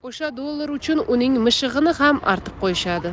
o'sha dollar uchun uning mishig'ini ham artib qo'yishadi